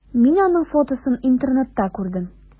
Мин аның фотосын интернетта күрдем.